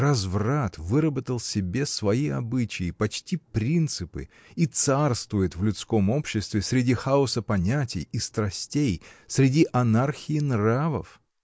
Разврат выработал себе свои обычаи, почти принципы, и царствует в людском обществе, среди хаоса понятий и страстей, среди анархии нравов.